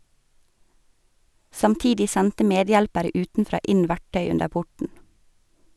Samtidig sendte medhjelpere utenfra inn verktøy under porten.